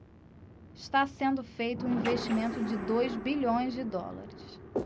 está sendo feito um investimento de dois bilhões de dólares